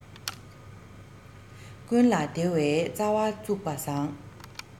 ཀུན ལ བདེ བའི རྩ བ བཙུགས པ བཟང